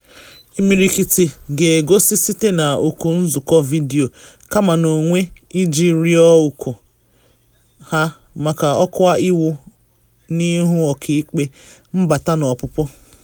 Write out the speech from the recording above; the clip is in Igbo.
Imirikiti ga-egosi site na oku nzụkọ vidio, kama n’onwe, iji rịọ okwu ha maka ọkwa iwu n’ihu ọkaikpe mbata na ọpụpụ.